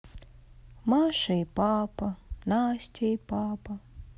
маша и папа настя и папа